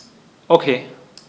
Okay.